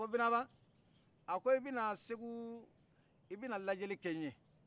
ko binaba i bɛna segu i bɛna lajɛli kɛ ɲe